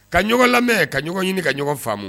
Ka ɲɔgɔn lamɛn ka ɲɔgɔn ɲini ka ɲɔgɔn faamu